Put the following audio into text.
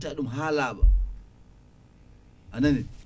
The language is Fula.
pitta ɗum ha laaɓa anani